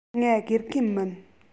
ང དགེ རྒན མིན